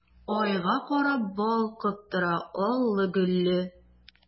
Айга карап балкып тора аллы-гөлле!